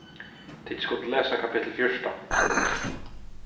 tit skuldu lesa kapittul fjúrtan